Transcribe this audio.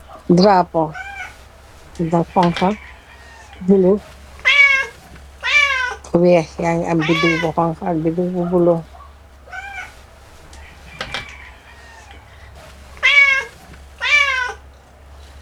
Daraapoo bu xoñxa, bulo, weex. Yaangi am bidiw bu xoñga ak bu bulo.